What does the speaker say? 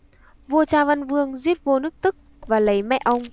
vua cha văn vương giết vua nước tức và lấy mẹ ông